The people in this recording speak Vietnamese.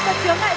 điểm